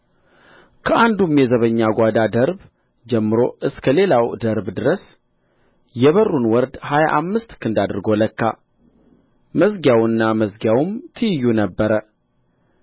ከአንዱም የዘበኛ ጓዳ ደርብ ጀምሮ እስከ ሌላው ደርብ ድረስ የበሩን ወርድ ሀያ አምስት ክንድ አድርጎ ለካ መዝጊያውና መዝጊያውም ትይዩ ነበረ